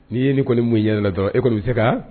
N'i ye ni kɔni mun i ɲɛdala e kɔni se ka